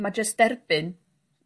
ma' jyst derbyn